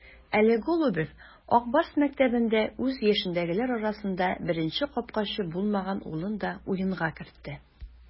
Әле Голубев "Ак Барс" мәктәбендә үз яшендәгеләр арасында беренче капкачы булмаган улын да уенга кертте.